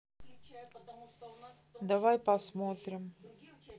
давай посмотрим